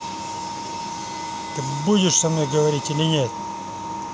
ты будешь со мной говорить или нет